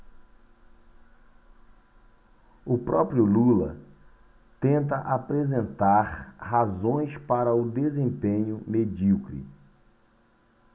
o próprio lula tenta apresentar razões para o desempenho medíocre